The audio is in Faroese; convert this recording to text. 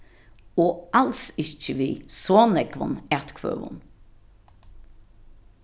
og als ikki við so nógvum atkvøðum